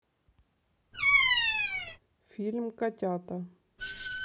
фильм котята